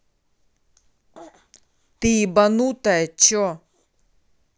ты ебанутая че